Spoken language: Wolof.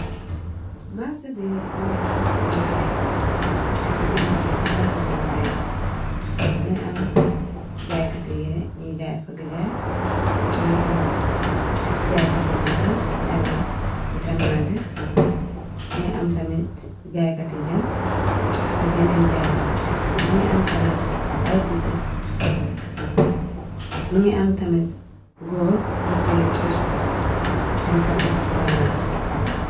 Marse bi më ngi am ay jaaykat ma ngi am ay fason fason jaykat më ngi am jaykati yire ñiy jaay feg-jaay më ngi am jaaykati ndugg yi deme ni tamaaté më ngi am tamit jaaykati jën ak yeneen jaaykat më ngi am tamit ay bitik më ngi am tamit góor bu teye puspus mum fa teg banaana.